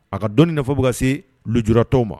A ka dɔn nafa nafolo bɛ ka se julara tɔw ma